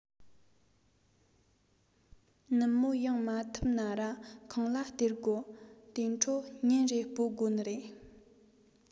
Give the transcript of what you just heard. ནུབ མོ ཡོང མ ཐུབ ན ར ཁང གླ སྟེར དགོ དེ འཕྲོ ཉིན རེར སྤོད དགོ ནི རེད